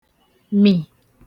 -mì